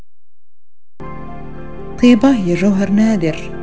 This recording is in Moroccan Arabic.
يبه يا جوهر نادر